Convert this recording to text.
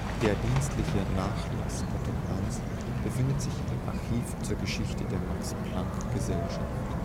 Der dienstliche Nachlass Otto Hahns befindet sich im Archiv zur Geschichte der Max-Planck-Gesellschaft